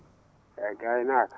e ngaynaaka